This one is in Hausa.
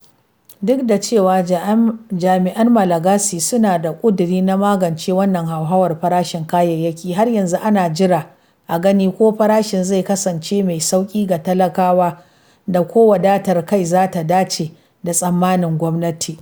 Duk da cewa jami’an Malagasy suna da ƙuduri na magance wannan hauhawar farashin kayayyaki, har yanzu ana jira a gani ko farashin zai kasance mai sauƙi ga talakawa da ko wadatar kai za ta dace da tsammanin gwamnati.